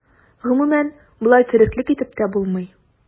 Гомумән, болай тереклек итеп тә булмый.